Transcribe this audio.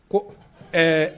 Ko ɛɛ